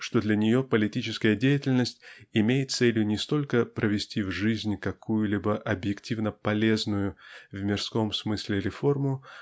что для нее политическая деятельность имеет целью не столько провести в жизнь какую-либо объективно полезную в мирском смысле реформу